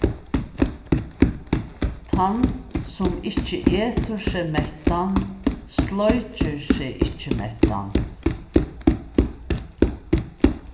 tann sum ikki etur seg mettan sleikir seg ikki mettan